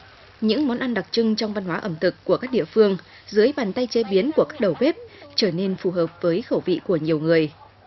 những món ăn đặc trưng trong văn hóa ẩm thực của các địa phương dưới bàn tay chế biến của các đầu bếp trở nên phù hợp với khẩu vị của nhiều người